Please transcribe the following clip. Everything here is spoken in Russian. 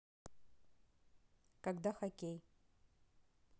когда хоккей